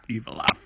Evil laugh.